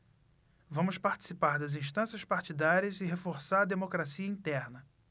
vamos participar das instâncias partidárias e reforçar a democracia interna